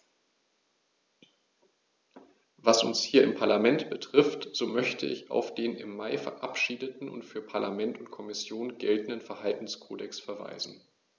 Was uns hier im Parlament betrifft, so möchte ich auf den im Mai verabschiedeten und für Parlament und Kommission geltenden Verhaltenskodex verweisen.